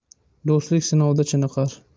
do'stlik sinovda chiniqar